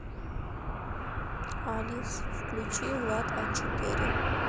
алис включи влад а четыре